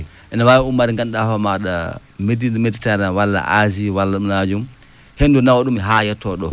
ene waawi ummaade ngannduɗaa hoore maaɗa Médina Médite walla Asie walla ɗumanajum henndu nawaɗum haa yottoo ɗoo